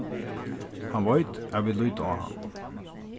hann veit at vit líta á hann